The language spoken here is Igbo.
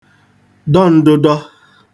dọ n̄dụ̄dọ̄